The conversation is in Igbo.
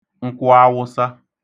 nkwụawụsa